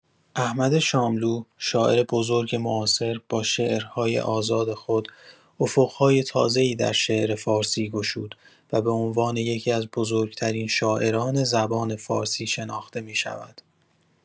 احمد شاملو، شاعر بزرگ معاصر، با شعرهای آزاد خود افق‌های تازه‌ای در شعر فارسی گشود و به عنوان یکی‌از بزرگ‌ترین شاعران زبان فارسی شناخته می‌شود.